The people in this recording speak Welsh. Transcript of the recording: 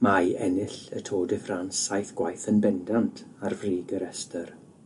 Mae ennill y Tour de Francesaith gwaith yn bendant ar frig y restr.